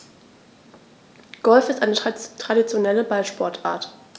Golf ist eine traditionelle Ballsportart.